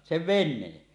sen veneen